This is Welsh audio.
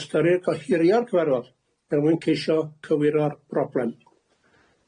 ystyriwch ohirio'r cyfarfod er mwyn ceisio cywiro'r broblem.